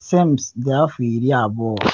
Sims dị afọ 20.